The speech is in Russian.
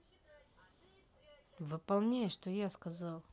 выполняй что я сказал